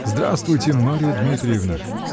-- Здравствуйте, Марья Дмитриевна!